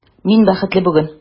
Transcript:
Мин бәхетле бүген!